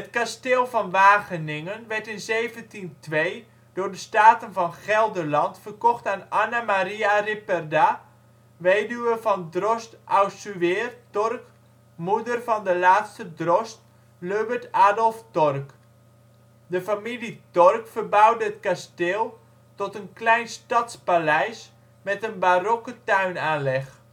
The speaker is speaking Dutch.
kasteel van Wageningen werd in 1702 door de Staten van Gelderland verkocht aan Anna Maria Ripperda, weduwe van drost Assueer Torck moeder van de laatste drost Lubbert Adolph Torck. De familie Torck verbouwde het kasteel tot een klein stadspaleis met een barokke tuinaanleg